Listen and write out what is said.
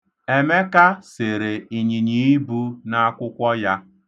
Emeka sere ịnyịnyiibu n'akwụkwọ ya.